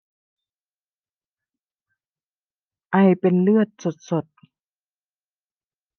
ไอเป็นเลือดสดสด